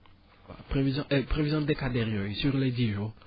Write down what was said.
waa prévision et prévision décadaire yooyu sur les dix jours